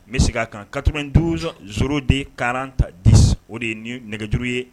N bɛ se ka kan kato z de karan ta di o de ye ni nɛgɛjuru ye